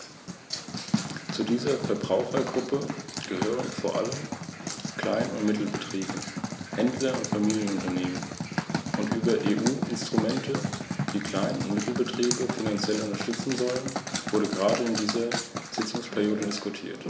Es sollte nicht darum gehen, auf halbem Wege Änderungen an den Prioritäten und Politiken vorzunehmen, was zwangsläufig Verzögerungen und Nichtausschöpfung der Mittel zur Folge hat. Dies ist gerade im Hinblick auf die neuen Anforderungen an die Haushaltsdisziplin von Bedeutung.